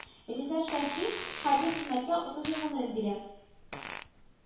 Риза Шәфи хәрби хезмәткә утыз ел гомерен бирә